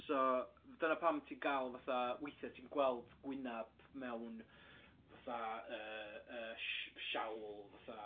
So dyna pam ti'n gael fatha weithiau ti'n gweld gwyneb mewn fatha yy, yy, si- siawl fatha...